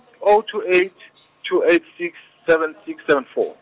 oh two eight, two eight six, seven six, seven four.